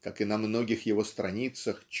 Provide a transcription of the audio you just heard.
как и на многих его страницах